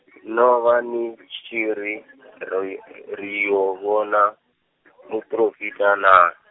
no vha ni, tshiri, ro y- ri yo, vhona, muporofita naa?